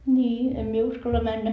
niin en minä uskalla mennä